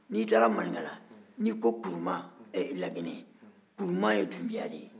n'i taara maninka n'i ko kuruma ɛɛ laginɛ kuruma ye dunbuya de ye